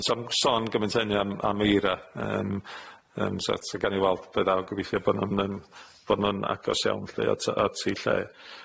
Yym 's'a'm sôn gym'int a hynny am am eira yym yym so eto ga'n ni weld be' ddaw, gobeithio bo' n'w'n yym bo' n'w'n agos iawn lly at yy at eu lle.